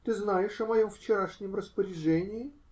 Ты знаешь о моем вчерашнем распоряжении?